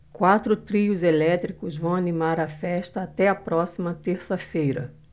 quatro trios elétricos vão animar a festa até a próxima terça-feira